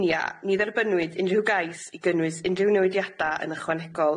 hi dal yn ca'l 'i trosglwyddo o Lundain dwi ddim yn meddwl